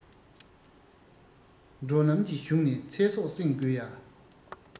འགྲོ ལམ གྱི གཞུང ནས ཚེ སྲོག བསྲིང དགོས ཡ